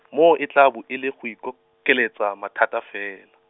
moo e tla bo e le go ikokeletsa mathata fela.